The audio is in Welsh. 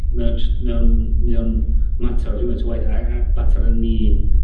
mae o jyst mae o'n ,mae o'n matar o gymaint o waith a a matar o ni